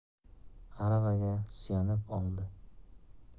aravaga suyanib oldi